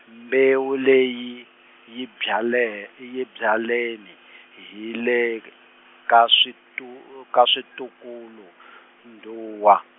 mbewu leyi, yi byale-, yi byaleni, hi hi le k-, ka switu- , ka switukulu-ndzhuwa.